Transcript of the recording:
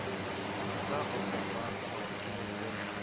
Уңда абзарлар, базы-келәте